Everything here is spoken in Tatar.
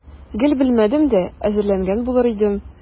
Гел белмәдем дә, әзерләнгән булыр идем.